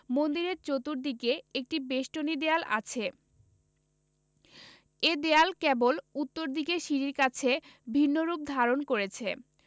মন্দিরের চতুর্দিকে একটি বেষ্টনী দেয়াল আছে এ দেয়াল কেবল উত্তর দিকের সিঁড়ির কাছে ভিন্নরূপ ধারণ করেছে